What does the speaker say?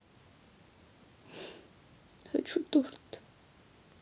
хочу торт